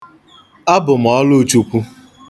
Abụ m Ọlụchukwu.